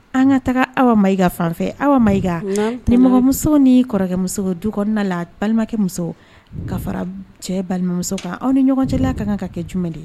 An ka taga Awa Mayiga fan fɛ Awa, nimɔgɔmuso ni kɔrɔkɛmuso du kɔnɔna la balimakɛ muso ka fara cɛ balimamuso kan anw ni ɲɔgɔn cɛka kan ka kɛ jumɛn de ye